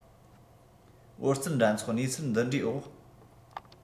ཨོ རྩལ འགྲན ཚོགས གནས ཚུལ འདི འདྲའི འོག